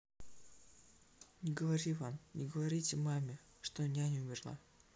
не говори ван не говорите маме что няня умерла